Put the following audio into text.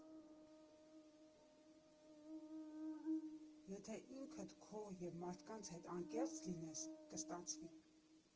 Եթե ինքդ քո և մարդկանց հետ անկեղծ լինես, կստացվի։